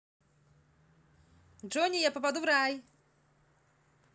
джонни я паду в рай